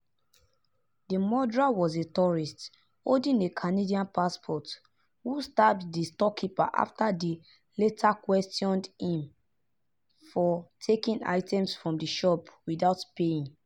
The murderer was a tourist holding a Canadian passport, who stabbed the storekeeper after the latter questioned him for taking items from the shop without paying.